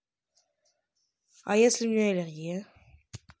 а если у меня аллергия